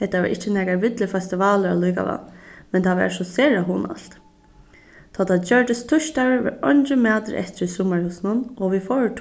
hetta var ikki nakar villur festivalur allíkavæl men tað var so sera hugnaligt tá tað gjørdist týsdagur var eingin matur eftir í summarhúsinum og vit fóru